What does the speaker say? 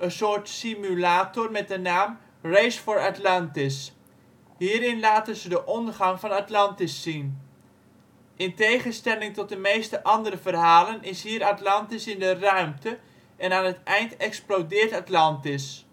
soort simulator met de naam ' Race For Atlantis '. Hierin laten ze de ondergang van Atlantis zien. In tegenstelling tot de meeste andere verhalen is hier Atlantis in de ruimte en aan het eind explodeert Atlantis